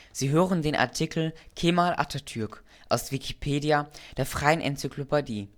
Sie hören den Artikel Mustafa Kemal Atatürk, aus Wikipedia, der freien Enzyklopädie